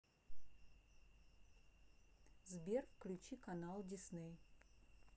сбер включи канал disney